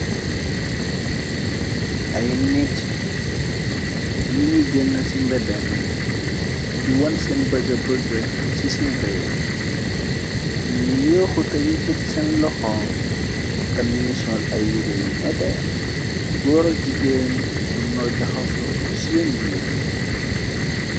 Ay nit nu ngi genn ci mbéddami di won seen bëgga bëgge ci seen réew ni ngi yooxuta yëkk ti seen loxoo tax ni ngi sool ay yiré yu neté goorak jigéen ñum naw jaxaso ci seen biir.